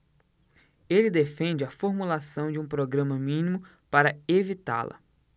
ele defende a formulação de um programa mínimo para evitá-la